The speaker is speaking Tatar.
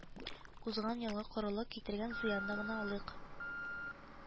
Узган елгы корылык китергән зыянны гына алыйк